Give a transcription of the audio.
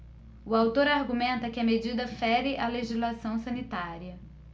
o autor argumenta que a medida fere a legislação sanitária